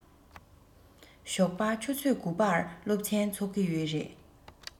ཞོགས པ ཆུ ཚོད དགུ པར སློབ ཚན ཚུགས ཀྱི ཡོད རེད